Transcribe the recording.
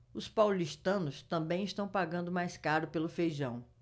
os paulistanos também estão pagando mais caro pelo feijão